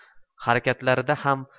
harakatlarida ham